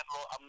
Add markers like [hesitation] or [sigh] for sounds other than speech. [hesitation] [hesitation]